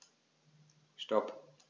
Stop.